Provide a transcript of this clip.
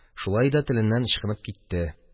Шулай да теленнән ычкынып китте: